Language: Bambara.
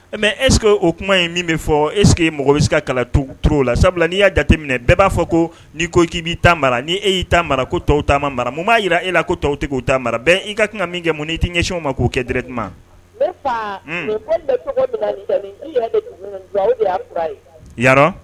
Mɛ esseke o kuma in min bɛ fɔ eseke mɔgɔ bɛ se ka kalan tu t la sabula n'i y'a jateminɛ bɛɛ b'a fɔ ko n'i ko k'i b'i ta mara ni' e y'i ta mara ko tɔw taama mara mun m'a jira e la ko tɔw tigi o ta taama mara bɛɛ i ka kan ka min kɛ mun ni'i ɲɛsinw ma k'o kɛ dɛrɛtuma ya